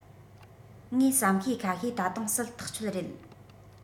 ངས བསམ ཤེས ཁ ཤས ད དུང གསལ ཐག ཆོད རེད